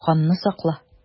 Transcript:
Ханны сакла!